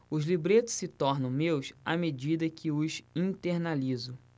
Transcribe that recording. os libretos se tornam meus à medida que os internalizo